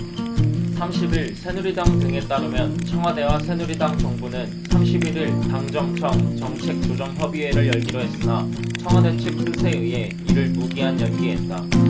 삼십 일 새누리당 등에 따르면 청와대와 새누리당 정부는 삼십 일 일 당정청 정책조정협의회를 열기로 했으나 청와대 측 뜻에 의해 이를 무기한 연기했다